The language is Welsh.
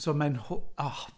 So mae'n ho-…. O!